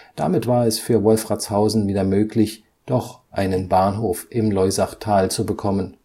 Damit war es für Wolfratshausen wieder möglich, doch einen Bahnhof im Loisachtal zu bekommen